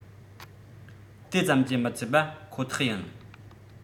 དེ ཙམ གྱིས མི ཚད པ ཁོ ཐག ཡིན